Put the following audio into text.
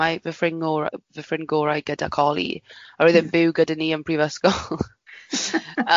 Ma' fy ffrind ngor- fy ffrind gorau gyda coli, a roedd e'n byw gyda ni yn prifysgol. ymm